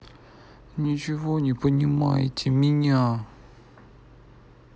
ничего не понимаете меня